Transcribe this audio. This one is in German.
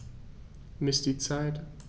Miss die Zeit.